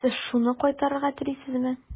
Сез шуны кайтарырга телисезме?